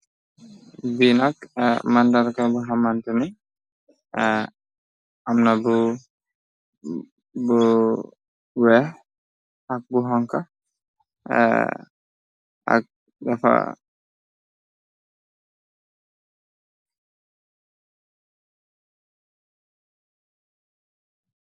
Binak mëndaraka bu xamante ni. Amna bu bu wex ak bu hanka ak defa.